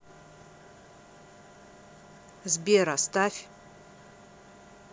сбер оставь